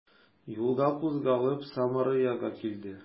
Юлга кузгалып, Самареяга килде.